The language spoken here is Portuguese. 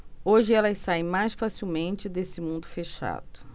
hoje elas saem mais facilmente desse mundo fechado